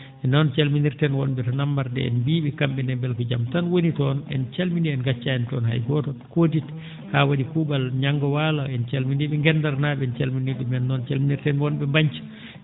noon calminirten won?e to Nammardé en mbiyii ?e kam?e ne mbele ko jam tan woni toon en calminii en ngaccaani toon hay gooto *haa wa?i kuu?al Niangga Walo en calminii?e Guendar naa?e en calminii ?umen noon calminirten won?e Banthia